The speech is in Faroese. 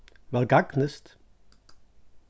væl gagnist